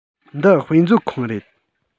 འདི དཔེ མཛོད ཁང རེད